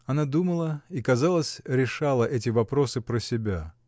Она думала и, казалось, решала эти вопросы про себя.